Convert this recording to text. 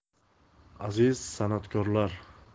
aziz san'atkorlar